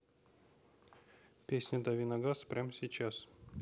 песня дави на газ прям сейчас